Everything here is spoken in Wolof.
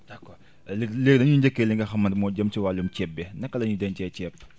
d' accord léegi dañuy njëkkee li nga xamante moo jëm si wàllu ceeb bi naka la ñuy dencee ceeb